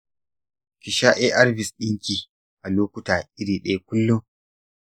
ki sha arvs ɗinki a lokuta iri ɗaya kullun.